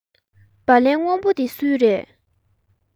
སྦ ལན སྔོན པོ འདི སུའི རེད